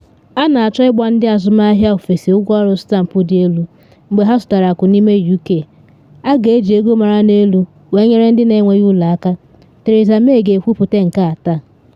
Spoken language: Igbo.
A na achọ ịgba ndị azụmahịa ofesi ụgwọ ọrụ stampụ dị elu mgbe ha zụtara akụ n’ime UK - a ga-eji ego mara n’elu wee nyere ndị na enweghị ụlọ aka, Theresa May ga-ekwupute nke a taa.